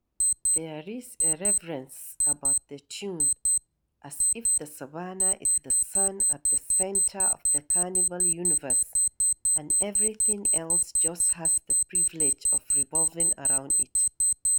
There is a reverence about the tune: as if the Savannah is the sun at the centre of the Carnival universe and everything else just has the privilege of revolving around it.